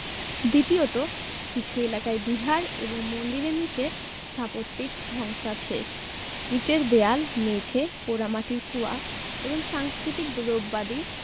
দ্বিতীয়ত কিছু এলাকায় বিহার এবং মন্দিরের নিচে স্থাপত্যিক ধ্বংসাবশেষ ইটের দেয়াল মেঝে পোড়ামাটির কুয়া এবং সাংষ্কৃতিক দ্রব্যাদি